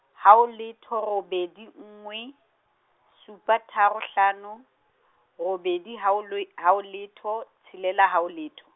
haho letho robedi nngwe, supa tharo hlano, robedi haho lwe- haho letho, tshelela haho letho.